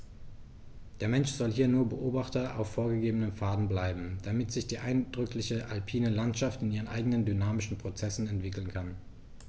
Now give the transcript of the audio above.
Der Mensch soll hier nur Beobachter auf vorgegebenen Pfaden bleiben, damit sich die eindrückliche alpine Landschaft in ihren eigenen dynamischen Prozessen entwickeln kann.